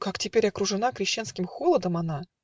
как теперь окружена Крещенским холодом она!